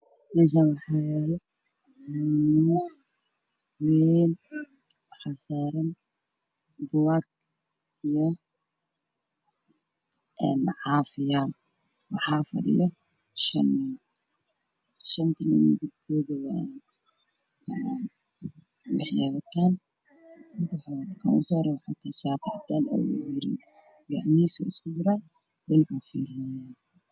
Meeshaan waxaa yaalo moos liin waxaa saaran buug iyo caafiyaal, waxaa fadhiyo shan nin kan usoo horeeyo waxuu wataa shaar cadaan ah.